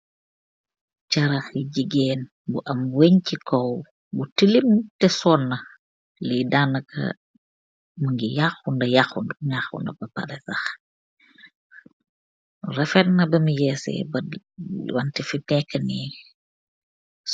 charax yi jigeen bu am wegñ ci kow bu tilim teh sonna li danaka mingi yaxxu na yaxxuwut yaxxuna ba pareh sax refetna bami yeese wante fi mi nekanii